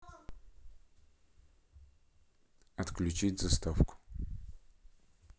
отключить заставку